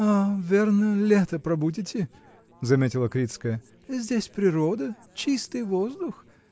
— О, верно, лето пробудете, — заметила Крицкая, — здесь природа, чистый воздух!